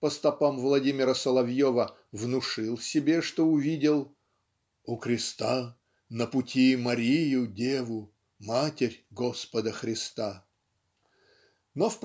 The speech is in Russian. по стопам Владимира Соловьева внушил себе что увидел) "у креста на пути Марию-Деву Матерь Господа Христа" но